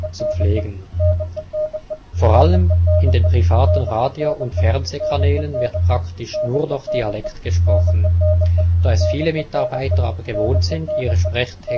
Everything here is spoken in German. pflegen. Vor allem in den privaten Radio - und Fernsehkanälen wird praktisch nur noch Dialekt gesprochen. Da es viele Mitarbeiter aber gewohnt sind, ihre Sprechtexte